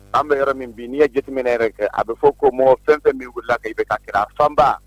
An bɛ yɔrɔ min bi n'i ye jateminɛ yɛrɛ kɛ a bɛ fɔ ko mɔ fɛn fɛn min wili ka i bɛ ka kɛ fanba